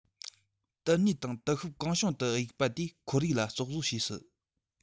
དུ སྣེ དང དུ ཤུབས གང བྱུང དུ གཡུག པ དེས ཁོར ཡུག ལ བཙོག བཟོ བྱེད སྲིད